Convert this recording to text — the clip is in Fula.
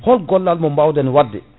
hol gollala mo mbawɗen wadde